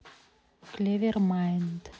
клевер майнд